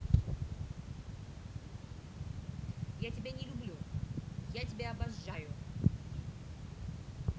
я тебя не люблю я тебя обожаю